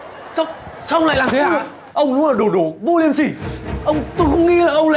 sao sao ông lại làm thế hả ông đúng là đồ đồ vô liêm sỉ ông tôi không nghĩ là ông